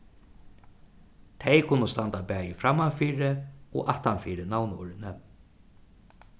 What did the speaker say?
tey kunnu standa bæði frammanfyri og aftanfyri navnorðini